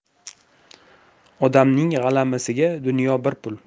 odamning g'alamisiga dunyo bir pul